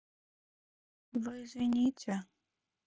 вы извините